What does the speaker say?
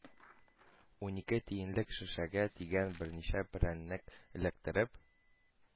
Унике тиенлек шешәгә тигән берничә перәннекне эләктереп,